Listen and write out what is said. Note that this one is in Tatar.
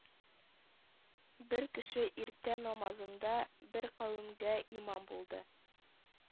Бер кеше иртә намазында бер кавемгә имам булды